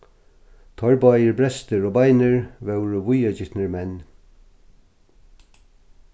teir báðir brestir og beinir vóru víðagitnir menn